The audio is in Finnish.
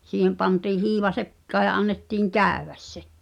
siihen pantiin hiiva sekaan ja annettiin käydä se